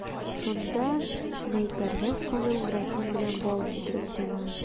Шунда Майпәрвәз ханым графин белән бал китереп куя.